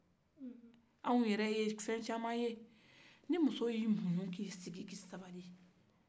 an yɛrɛ ye fɛn caman ye ni muso ye a muɲu ka sigi ka sabali